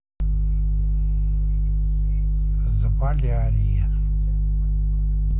заполярье